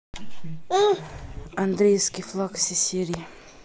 андреевский флаг все серии